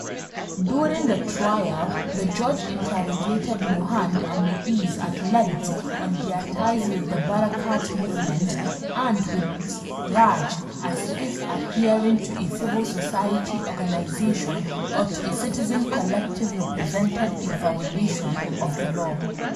During the trial, the judge interrogated Mohand and Moez at length on their ties with the “Barakat!” movement and with RAJ, as if adhering to a civil society organization or to a citizen collective represented a violation of the law.”